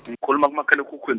ngikhuluma kumakhal'ekhukhwini.